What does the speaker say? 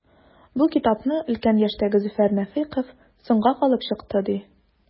Бу китапны өлкән яшьтәге Зөфәр Нәфыйков “соңга калып” чыкты, ди.